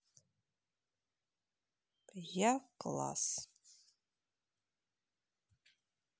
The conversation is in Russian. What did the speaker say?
я класс